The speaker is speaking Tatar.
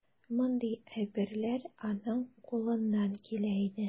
Мондый әйберләр аның кулыннан килә иде.